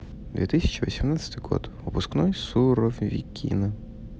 две тысячи восемнадцатый год выпускной суровикино